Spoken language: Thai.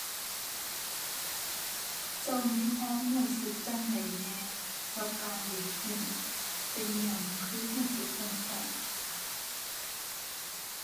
เจ้ามีความรู้สึกจั่งใดแหน่กับการเล่นหุ้น เป็นหยังคือรู้สึกจั่งซั้น